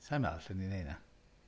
Sa i meddwl allwn i wneud hynna?